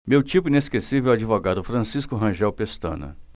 meu tipo inesquecível é o advogado francisco rangel pestana